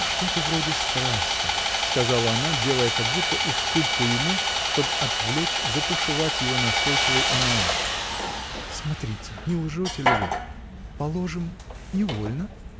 что-то вроде страсти, — сказала она, делая как будто уступку ему, чтоб отвлечь, затушевать его настойчивый анализ, — смотрите, не лжете ли вы. положим — невольно?